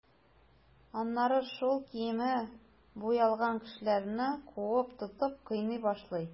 Аннары шул киеме буялган кешеләрне куып тотып, кыйный башлый.